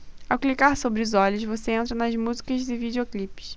ao clicar sobre os olhos você entra nas músicas e videoclipes